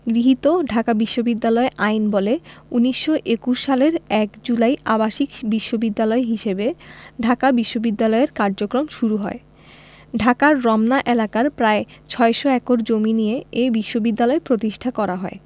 গৃহীত ঢাকা বিশ্ববিদ্যালয় আইনবলে ১৯২১ সালের ১ জুলাই আবাসিক বিশ্ববিদ্যালয় হিসেবে ঢাকা বিশ্ববিদ্যালয়ের কার্যক্রম শুরু হয় ঢাকার রমনা এলাকার প্রায় ৬০০ একর জমি নিয়ে এ বিশ্ববিদ্যালয় প্রতিষ্ঠা করা হয়